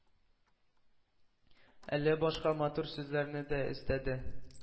Әле башка “матур” сүзләрне дә өстәде,